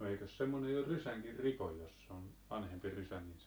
no eikös semmoinen jo rysänkin riko jos on vanhempi rysä niin se